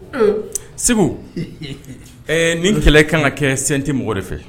Segu ni kɛlɛ kan ka kɛ sin tɛ mɔgɔ de fɛ